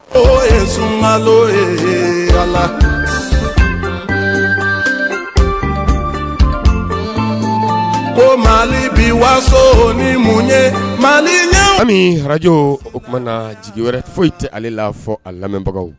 O ye sunla ko mali bi waso ni mun ye mali ɲɛ arajo o tumaumana na jigi wɛrɛ foyi tɛ ale la fɔ a lamɛnbagaw